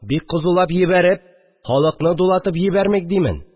Бик кызулап җибәреп, халыкны дулатып йибәрмик димен